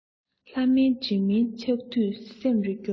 ལྷ མིན འདྲེ མིན ཆགས དུས སེམས རེ སྐྱོ